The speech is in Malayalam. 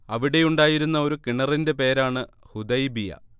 അവിടെയുണ്ടായിരുന്ന ഒരു കിണറിന്റെ പേരാണ് ഹുദൈബിയ